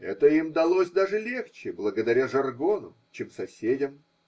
это им далось даже легче, благодаря жаргону, чем соседям.